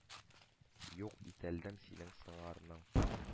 Юк итәлдем синең сыңарның.